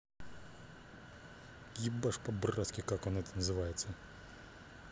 ебашь по братски этот как он называется